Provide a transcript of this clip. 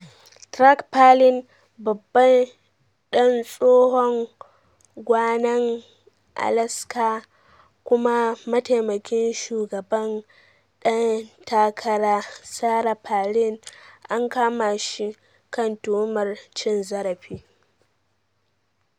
Track Palin, babban dan tsohon gwanan Alaska kuma mataimakin shugaban dan takara Sarah Palin, an kama shi kan tuhumar cin zarafi.